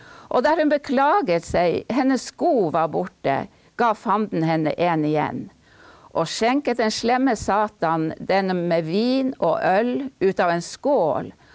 der hun beklaget seg hennes sko var borte, ga fanden henne en igjen og skjenket den slemme satan den med vin og øl ut av en skål.